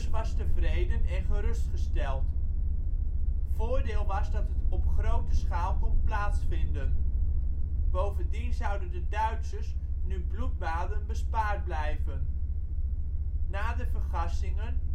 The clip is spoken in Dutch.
was tevreden en gerustgesteld. Voordeel was dat het op grote schaal kon plaatsvinden. Bovendien zouden de Duitsers nu bloedbaden bespaard blijven. Na de vergassingen